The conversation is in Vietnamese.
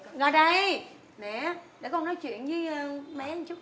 ngồi đây mẹ để con nói chuyện với con bé một chút